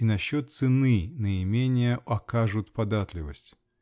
и насчет цены на имение окажут податливость.